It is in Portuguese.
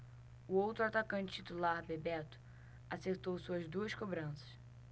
o outro atacante titular bebeto acertou suas duas cobranças